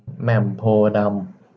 แหม่มโพธิ์ดำ